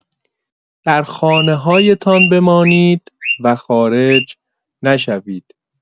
در خانه‌هایتان بمانید و خارج نشوید.